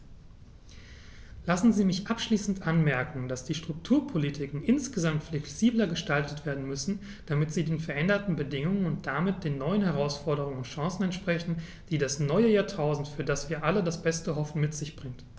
Lassen Sie mich abschließend anmerken, dass die Strukturpolitiken insgesamt flexibler gestaltet werden müssen, damit sie den veränderten Bedingungen und damit den neuen Herausforderungen und Chancen entsprechen, die das neue Jahrtausend, für das wir alle das Beste hoffen, mit sich bringt.